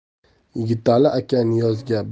yigitali aka niyozga